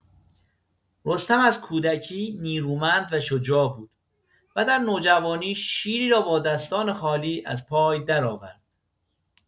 رستم از کودکی نیرومند و شجاع بود و در نوجوانی شیری را با دستان خالی از پای درآورد.